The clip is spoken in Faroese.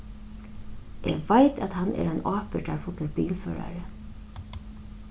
eg veit at hann er ein ábyrgdarfullur bilførari